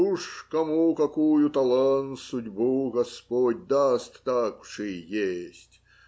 Уж кому какую талан-судьбу господь даст, так уж и есть.